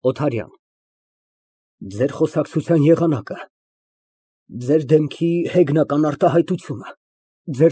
ՕԹԱՐՅԱՆ ֊ Ձեր խոսակցության եղանակը, ձեր սառնությունը, ձեր դեմքի հեգնական արտահայտությունը։